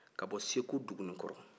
ka bɔ segu duguninkɔrɔ